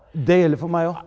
det gjelder for meg òg.